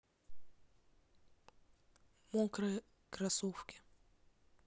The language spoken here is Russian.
мокрые кроссовки